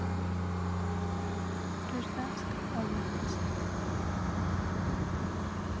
гражданская авиация